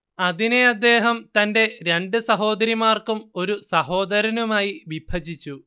അതിനെ അദ്ദേഹം തന്റെ രണ്ടു സഹോദരിമാർക്കും ഒരു സഹോദരനുമായി വിഭജിച്ചു